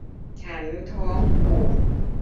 ฉันท้องผูก